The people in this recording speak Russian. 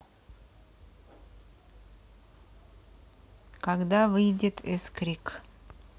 когда выйдет s крик